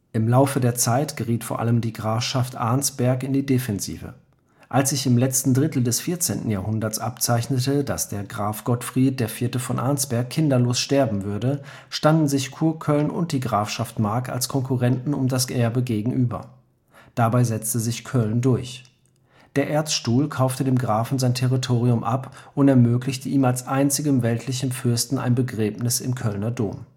Im Laufe der Zeit geriet vor allem die Grafschaft Arnsberg in die Defensive. Als sich im letzten Drittel des 14. Jahrhunderts abzeichnete, dass der Graf Gottfried IV. von Arnsberg kinderlos sterben würde, standen sich Kurköln und die Grafschaft Mark als Konkurrenten um das Erbe gegenüber. Dabei setzte sich Köln durch. Der Erzstuhl kaufte dem Grafen sein Territorium ab und ermöglichte ihm als einzigem weltlichen Fürsten ein Begräbnis im Kölner Dom